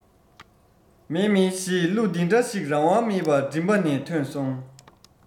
མཱེ མཱེ ཞེས གླུ འདི འདྲ ཞིག རང དབང མེད པར མགྲིན པ ནས ཐོན སོང